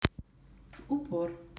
в упор